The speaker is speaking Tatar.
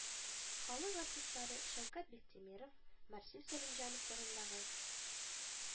Халык артистлары шәүкәт биктимеров, марсель сәлимҗанов турындагы